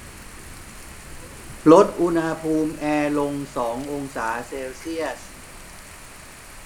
ลดอุณหภูมิแอร์ลงสององศาเซลเซียส